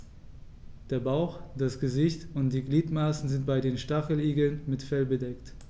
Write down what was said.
Der Bauch, das Gesicht und die Gliedmaßen sind bei den Stacheligeln mit Fell bedeckt.